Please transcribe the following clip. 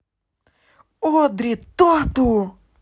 одри тоту